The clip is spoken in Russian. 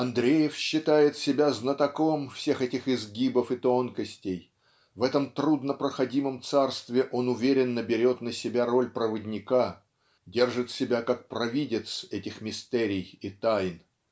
Андреев считает себя знатоком всех этих изгибов и тонкостей, в этом труднопроходимом царстве он уверенно берет на себя роль проводника, держит себя как провидец этих мистерий и тайн